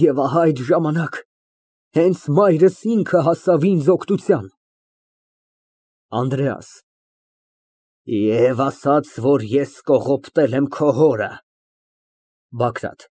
Եվ ահա այդ ժամանակ հենց մայրս ինքը հասավ ինձ օգնության… ԱՆԴՐԵԱՍ ֊ Եվ ասաց, որ ես կողոպտել եմ քո հորը, հա, հա, հա։